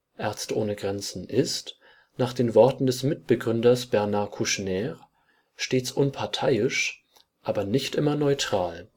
MSF ist, nach den Worten des Mitbegründers Bernard Kouchner, stets unparteiisch, aber nicht immer neutral